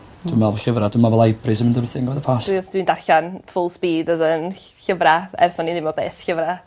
Dwi me'wl bo' llyfre dwi meddwl Libraries yn mynd yn thing of the past. Dwi dwi'n darllen full speed odd 'yn llyfra' ers o'n i ddim o beth ti wbo a